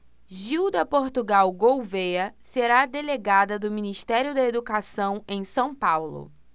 gilda portugal gouvêa será delegada do ministério da educação em são paulo